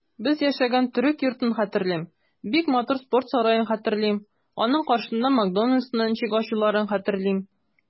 Без яшәгән төрек йортын хәтерлим, бик матур спорт сараен хәтерлим, аның каршында "Макдоналдс"ны ничек ачуларын хәтерлим.